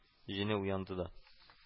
Җене уянды да